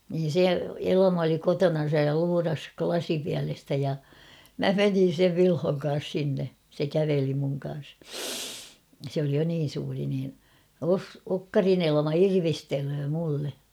niin se Elma oli kotonansa ja luurasi lasipielestä ja minä menin sen Vilhon kanssa sinne se käveli minun kanssa se oli jo niin suuri niin - Okkarin Elma irvistelee minulle